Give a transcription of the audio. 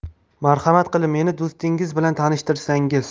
marhamat qilib meni d'stingiz bilan tanishtirsangiz